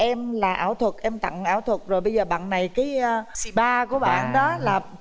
em là ảo thuật em tặng ảo thuật rồi bây giờ bạn này cấy a xì ba của bạn đó là